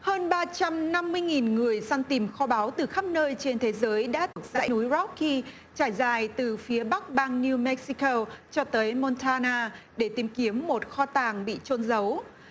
hơn ba trăm năm mươi nghìn người săn tìm kho báu từ khắp nơi trên thế giới đã dãy núi rốc ki trải dài từ phía bắc bang niu mê xi cô cho tới môn ta na để tìm kiếm một kho tàng bị chôn giấu